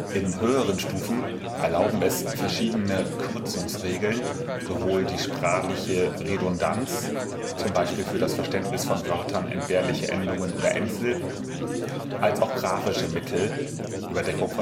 In höheren Stufen erlauben es verschiedene Kürzungsregeln, sowohl die sprachliche Redundanz (z. B. für das Verständnis von Wörtern entbehrliche Endungen oder Endsilben) als auch grafische Mittel (Überdeckung